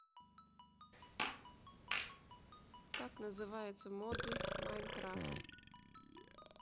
как называются моды в minecraft